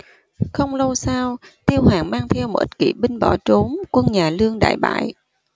không lâu sau tiêu hoành mang theo một ít kỵ binh bỏ trốn quân nhà lương đại bại